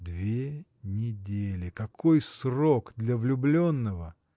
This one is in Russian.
Две недели: какой срок для влюбленного!